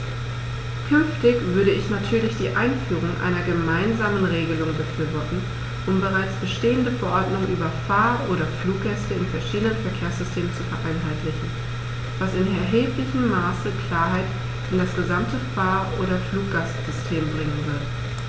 Künftig würde ich natürlich die Einführung einer gemeinsamen Regelung befürworten, um bereits bestehende Verordnungen über Fahr- oder Fluggäste in verschiedenen Verkehrssystemen zu vereinheitlichen, was in erheblichem Maße Klarheit in das gesamte Fahr- oder Fluggastsystem bringen wird.